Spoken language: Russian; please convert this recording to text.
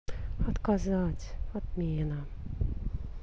отказать отмена